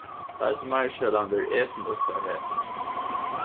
øll meirsølan verður etin upp av hesum